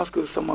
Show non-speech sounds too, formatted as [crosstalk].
[hesitation] [hesitation]